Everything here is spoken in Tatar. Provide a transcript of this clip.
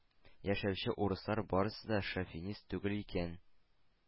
Яшәүче урыслар барысы да шовинист түгел икән.